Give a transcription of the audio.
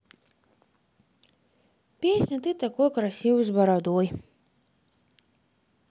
песня ты такой красивый с бородой